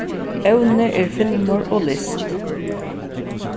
evnið er filmur og list